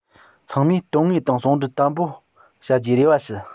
ཚང མས དོན དངོས དང ཟུང འབྲེལ དམ པོ བྱ རྒྱུའི རེ བ ཞུ